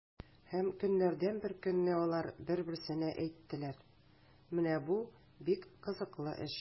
Һәм көннәрдән бер көнне алар бер-берсенә әйттеләр: “Менә бу бик кызыклы эш!”